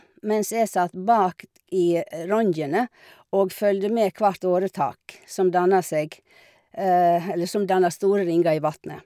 Mens jeg satt bak i rongen og fulgte med hvert åretak som danna seg eller som danna store ringer i vatnet.